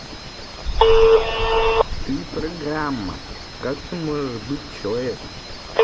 ты программа как ты можешь быть человеком